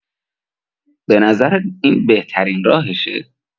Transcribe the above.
به نظرت این بهترین راهشه؟